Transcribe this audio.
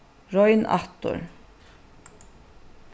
royn aftur